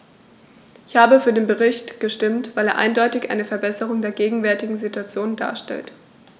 Ich habe für den Bericht gestimmt, weil er eindeutig eine Verbesserung der gegenwärtigen Situation darstellt.